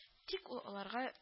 Тик ул аларга